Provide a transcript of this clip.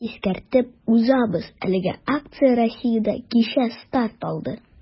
Искәртеп узабыз, әлеге акция Россиядә кичә старт алды.